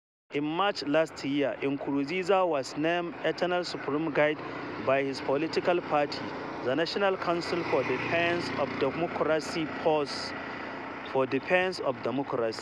In March last year, Nkurunziza was named "eternal supreme guide" by his political party, the National Council for the Defense of Democracy-Forces for the Defense of Democracy.